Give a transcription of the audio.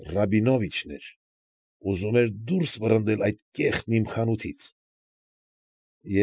Ռաբինովիչն էր, որ ուզում էր դուրս վռնդել այդ կեղտն իմ խանութից։